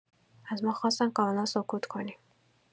از ما خواستند کاملا سکوت کنیم.